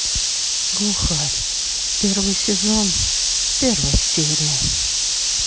глухарь первый сезон первая серия